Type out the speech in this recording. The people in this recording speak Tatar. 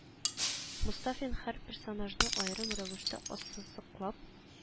Мостафин һәр персонажны аерым рәвештә ассызыклап